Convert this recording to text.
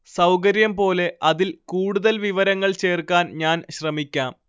സൗകര്യം പോലെ അതിൽ കൂടുതൽ വിവരങ്ങൾ ചേർക്കാൻ ഞാൻ ശ്രമിക്കാം